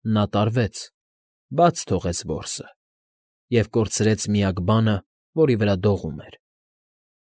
Նա տարվեց. բայց թողեց որսը և կորցրեց միակ բանը, որի վրա դրողում էր։